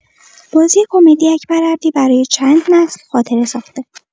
بازی کمدی اکبر عبدی برای چند نسل خاطره ساخته.